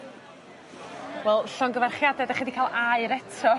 Wel llongyfarchiade dach chi di ca'l aur eto.